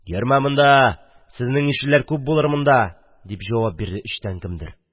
– йөрм монда! сезнең ишеләр күп булыр монда! – дип җавап бирде эчтән кемдер.